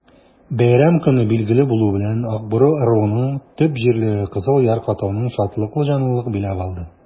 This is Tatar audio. Бәйрәм көне билгеле булу белән, Акбүре ыруының төп җирлеге Кызыл Яр-катауны шатлыклы җанлылык биләп алды.